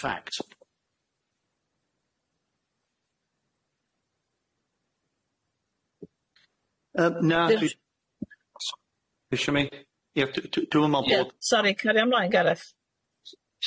fact? Yym na, dwi'm n meddwl fod, sori na caria mlaen Gareth,